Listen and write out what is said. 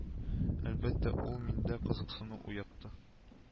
Әлбәттә, ул миндә кызыксыну уятты